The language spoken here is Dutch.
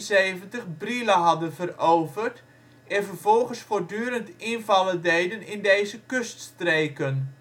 1572 Brielle hadden veroverd en vervolgens voortdurend invallen deden in deze kuststreken